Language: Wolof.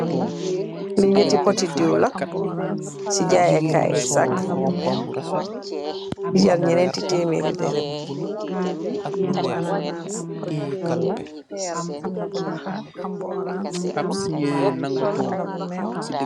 Li neeti boti dew la si jayeh kai sag di jarr neenti temeri derem.